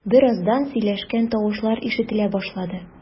Бераздан сөйләшкән тавышлар ишетелә башлады.